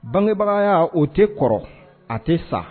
Bangebagaya, o tɛ kɔrɔ, a tɛ sa.